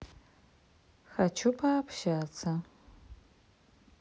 хочу пообщаться